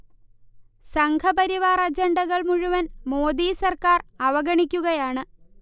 സംഘപരിവാർ അജണ്ടകൾ മുഴുവൻ മോദി സർക്കാർ അവഗണിക്കുകയാണ്